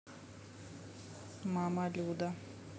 мама люда